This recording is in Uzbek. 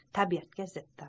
tabiatga ziddir